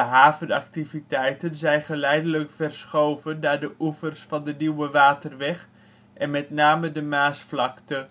havenactiviteiten zijn geleidelijk verschoven naar de oevers van de Nieuwe Waterweg en met name de Maasvlakte;